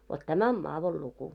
vot tämä on madonluku